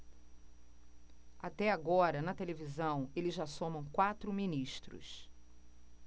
até agora na televisão eles já somam quatro ministros